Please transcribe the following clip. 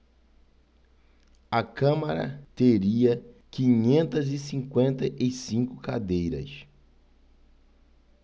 a câmara teria quinhentas e cinquenta e cinco cadeiras